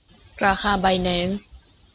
ราคาไบแนนซ์